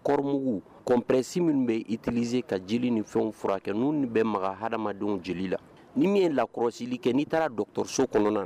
Kɔrɔm kɔnpɛresi minnu bɛ itirilizsee ka jiri nin fɛnw furakɛ kɛ ninnu ni bɛ ma hadamadenw jeli la ni min ye lakɔrɔsili kɛ n'i taara do dɔgɔtɔrɔso kɔnɔna na